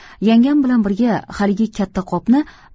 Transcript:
yangam bilan birga haligi katta qopni